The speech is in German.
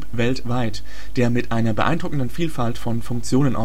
weltweit, der mit einer beeindruckenden Vielfalt von Funktionen